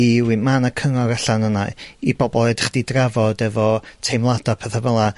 i rywun. Ma' 'na cyngor allan yna i bobol. Fedrech chdi drafod efo teimlada petha fela.